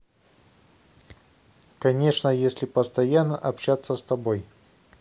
конечно если постоянно общаться с тобой